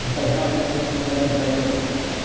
И тогда, наконец, Магали сдается.